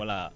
voilà